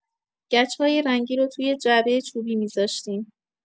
گچ‌های رنگی رو توی جعبه چوبی می‌ذاشتیم.